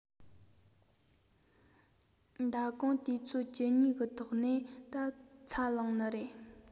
མདའ དགོང དུས ཚོད བཅུ གཉིས གི ཐོག ནས ད ཚ ལངས ནི རེད